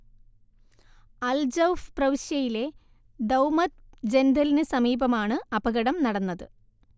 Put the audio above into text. Al Jouf പ്രവിശ്യയിലെ Dumat ജൻദലിന് സമീപമാണ് അപകടം നടന്നത്